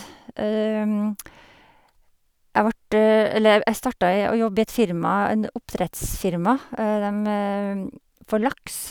jeg vart eller ev Jeg starta i å jobbe i et firma, en oppdrettsfirma dem for laks.